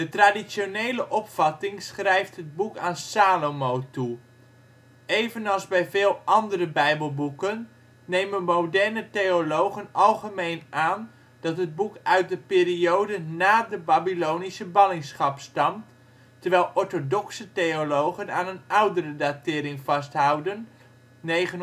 traditionele opvatting schrijft het boek aan Salomo (Heb.: Shlomo) toe. Evenals bij veel andere bijbelboeken, nemen moderne theologen algemeen aan dat het boek uit de periode na de Babylonische ballingschap stamt, terwijl orthodoxe theologen aan een oudere datering vasthouden (970-931